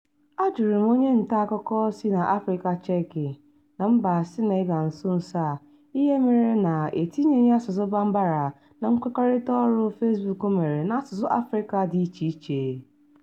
A jụrụ m onye nta akụkọ si n'Afrịka Chekị na mba Sịnịgal nso nso a ihe mere na etinyeghi asụsụ Bambara na nkwekọrịta ọrụ Fezbuk mere n'asụsụ Afrịka dị iche iche.